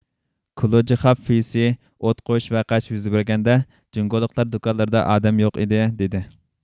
كۇلۇجىخاف فېيسىي ئوت قويۇش ۋەقەسى يۈز بەرگەندە جۇڭگولۇقلار دۇكانلىرىدا ئادەم يوق ئىدى دېدى